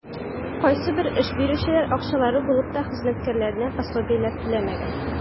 Кайсыбер эш бирүчеләр, акчалары булып та, хезмәткәрләренә пособиеләр түләмәгән.